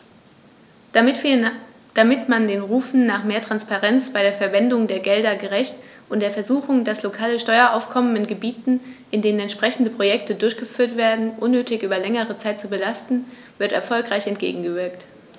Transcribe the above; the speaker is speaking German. Damit wird man den Rufen nach mehr Transparenz bei der Verwendung der Gelder gerecht, und der Versuchung, das lokale Steueraufkommen in Gebieten, in denen entsprechende Projekte durchgeführt werden, unnötig über längere Zeit zu belasten, wird erfolgreich entgegengewirkt.